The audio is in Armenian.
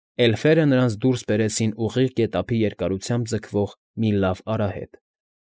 Էլֆերը նրանց դուրս բերեցին ուղիղ գետափի երկարությամբ ձգվող մի լավ արահետ։